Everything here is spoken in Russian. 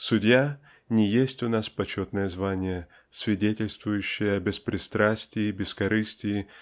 "Судья" не есть у нас почетное звание свидетельствующее о беспристрастии бескорыстии